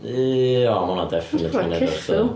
Yy o ma' hwnna definitely yn... Edrych fatha ceffyl...